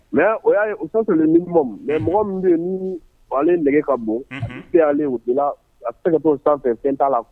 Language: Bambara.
Mɛ o y' u ni mɔgɔ min bɛ ni nɛgɛge ka bon se ka sanfɛ fɛ fɛn t'a la